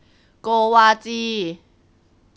โกวาจี